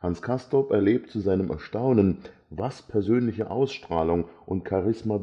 Hans Castorp erlebt zu seinem Erstaunen, was persönliche Ausstrahlung und Charisma